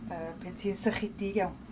yy pan ti'n sychedig iawn.